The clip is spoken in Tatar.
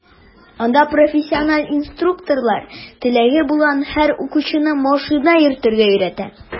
Анда профессиональ инструкторлар теләге булган һәр укучыны машина йөртергә өйрәтә.